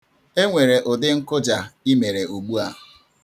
E nwere ụdị nkụja I mere ugbua.